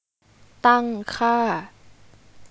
ตั้งค่า